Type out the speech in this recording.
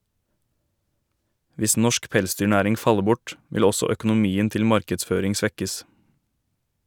Hvis norsk pelsdyrnæring faller bort, vil også økonomien til markedsføring svekkes.